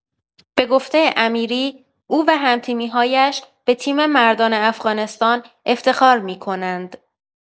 به گفته امیری، او و هم‌تیمی‌هایش به تیم مردان افغانستان افتخار می‌کنند.